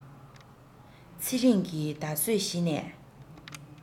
ཚེ རིང གིས ད གཟོད གཞི ནས